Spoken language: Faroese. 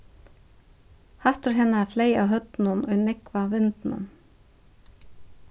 hattur hennara fleyg av høvdinum í nógva vindinum